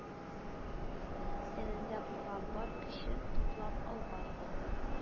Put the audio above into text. Тәнендә булган бар көчен туплап алга ыргылды